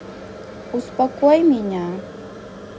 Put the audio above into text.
успокой меня